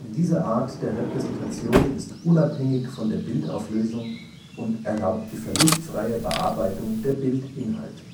Diese Art der Repräsentation ist unabhängig von der Bildauflösung und erlaubt die verlustfreie Bearbeitung der Bildinhalte